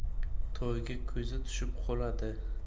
toyga ko'zi tushib qoladi